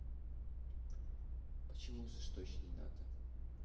почему жестокостей ната